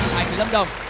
lâm đồng